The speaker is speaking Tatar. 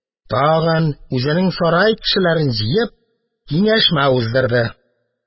Тагын, үзенең сарай кешеләрен җыеп, киңәшмә уздырды.